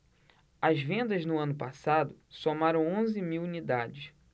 as vendas no ano passado somaram onze mil unidades